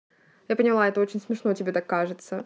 я поняла это очень смешно тебе так кажется